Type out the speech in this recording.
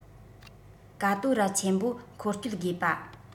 ཀ ཏོ ར ཆེན པོ འཁོ སྤྱོད དགོས པ